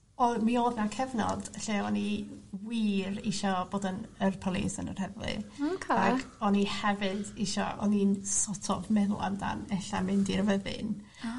o'r... Mi o'dd 'na cyfnod lle o'n i wir isio bod yn yr police yn yr heddlu. O oce. Ac o'n i hefyd isio o'n i'n so't of meddwl amdan ella mynd i'r fyddin . Ah!